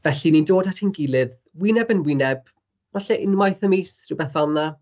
Felly, ni'n dod at ein gilydd, wyneb yn wyneb, falle unwaith y mis, rwbeth fel 'na.